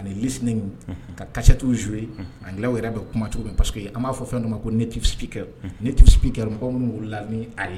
Ani listening unhun ka cassette jouée anglais yɛrɛ bɛ kuma cogo min na parce que an b'a fɔ fɛn dɔ ma ko mɔgɔ minnu wolola ni a ye.